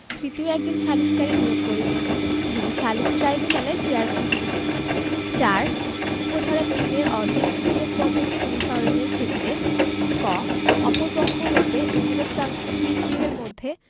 তৃতীয় একজন সালিসকারী নিয়োগ করিবেন যিনি সালিসী ট্রাইব্যুনালের চেয়ারম্যান হইবেন ৪ উপ ধারা ৩ এর অধীন নিয়োগ পদ্ধতি অনুসারণের ক্ষেত্রে ক অপর পক্ষ হইতে অনুরোধ প্রাপ্তির ত্রিশ দিনের মধ্যে